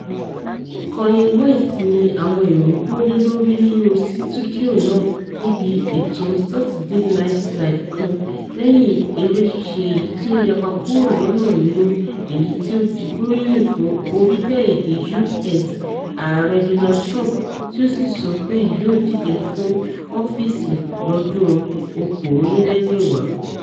Kanye West ni àwọn èrò hó lé lórí nínú situdio náà níbi ètò Saturday Night Live kan lẹ́yin eré ṣíṣe èyití ó yapa kuro lọ́nà nínú èyití ó ti gbóríyìn fún orílẹ̀-èdè U.S. Ààrẹ Donald Trump tí ó sì sọ pé yóò díje fún ọ́fíìsì lọ́dún 2020.